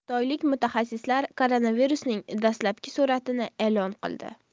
xitoylik mutaxassislar koronavirusning dastlabki suratini e'lon qildi